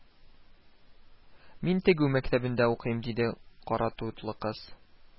Мин тегү мәктәбендә укыйм, диде каратутлы кыз